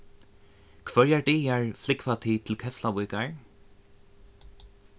hvørjar dagar flúgva tit til keflavíkar